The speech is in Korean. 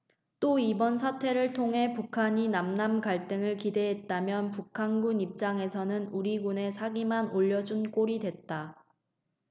또 이번 사태를 통해 북한이 남 남 갈등을 기대했다면 북한군 입장에서는 우리군의 사기만 올려준 꼴이 됐다